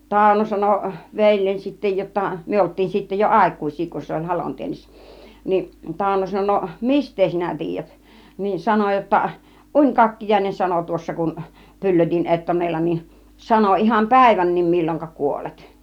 Tauno sanoi veljeni sitten jotta me oltiin sitten jo aikuisia kun se oli halonteennissä niin Tauno sanoi no mistä sinä tiedät niin sanoi jotta unikakkiainen sanoi tuossa kun pyllötin ettonella niin sanoi ihan päivänkin milloinka kuolet